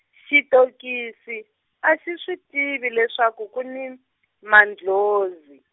xitokisi, a xi swi tivi leswaku ku ni, mandlhozi.